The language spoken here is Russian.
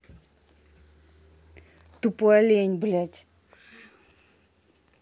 тупой олень блядь